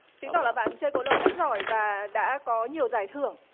chứng tỏ là bạn chơi cầu lông rất giỏi và đã có nhiều giải thưởng